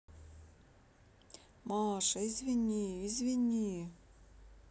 маша извини извини